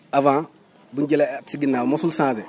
avant bu ñu jëlee ay at ci ginnaaw mosul changer